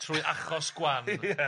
Trwy achos gwan... Ia...